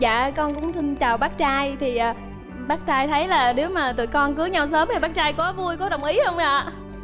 dạ con cũng xin chào bác trai thì à bác trai thấy mà nếu mà tụi con cưới nhau sớm thì bác trai có vui có đồng ý không ạ